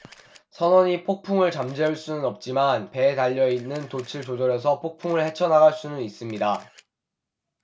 선원이 폭풍을 잠재울 수는 없지만 배에 달려 있는 돛을 조절해서 폭풍을 헤쳐 나갈 수는 있습니다